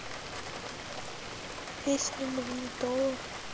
песня магнитола